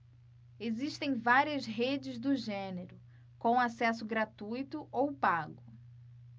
existem várias redes do gênero com acesso gratuito ou pago